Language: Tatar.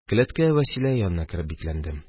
Келәткә, Вәсилә янына кереп бикләндем